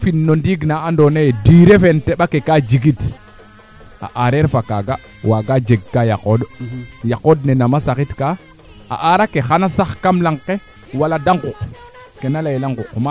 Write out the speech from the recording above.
ndaa neete faax toogina kam fooge faaxtate neen ke taxuuna ten refuye a teɓake mede mbadoog na roog ndigil fada te meen to yit ga'a maac ke mukoogina a poorum